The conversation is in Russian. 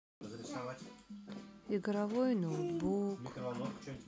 игровой ноутбук